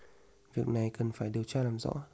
việc này cần phải điều tra làm rõ